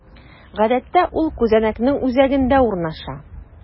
Гадәттә, ул күзәнәкнең үзәгендә урнаша.